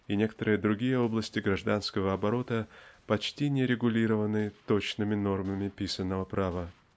и некоторые другие области гражданского оборота почти не регулированы точными нормами писаного права.